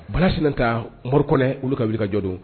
Bala sen ta m morikɛ olu ka wuli kajɔdon